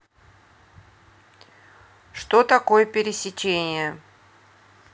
что такое пересечение